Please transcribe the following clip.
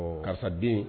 Karisaden